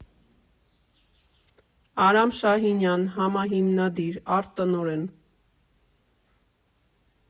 Արամ Շահինյան համահիմնադիր, արտ֊տնօրեն։